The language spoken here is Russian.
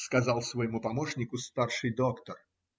сказал своему помощнику старший доктор.